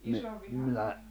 isoviha